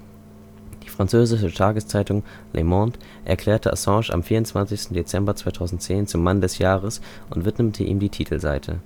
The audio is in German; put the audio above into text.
französische Tageszeitung Le Monde erklärte Assange am 24. Dezember 2010 zum „ Mann des Jahres “und widmete ihm die Titelseite